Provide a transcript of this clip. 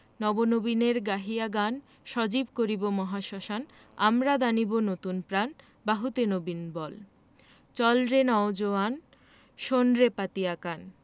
নব নবীনের গাহিয়া গান সজীব করিব মহাশ্মশান আমরা দানিব নতুন প্রাণ বাহুতে নবীন বল চল রে নও জোয়ান শোন রে পাতিয়া কান